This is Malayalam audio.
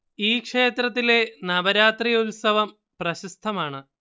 ഈ ക്ഷേത്രത്തിലെ നവരാത്രി ഉത്സവം പ്രശസ്തമാണ്